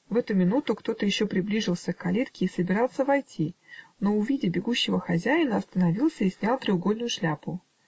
В эту минуту кто-то еще приближился к калитке и собирался войти, но, увидя бегущего хозяина, остановился и снял треугольную шляпу.